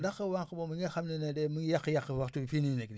ndax wànq moom mi nga xam ne ne de mi ngi yàq yàq waxtu fii nii nii